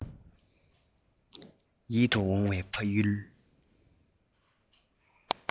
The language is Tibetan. ཡིད དུ འོང བའི ཕ ཡུལ